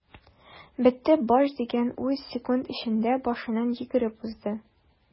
"бетте баш” дигән уй секунд эчендә башыннан йөгереп узды.